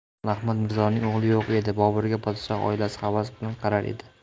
sulton ahmad mirzoning o'g'li yo'q edi boburga podshoh oilasi havas bilan qarar edi